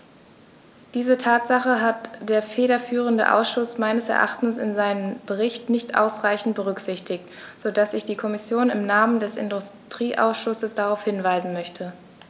Diese Tatsache hat der federführende Ausschuss meines Erachtens in seinem Bericht nicht ausreichend berücksichtigt, so dass ich die Kommission im Namen des Industrieausschusses darauf hinweisen möchte.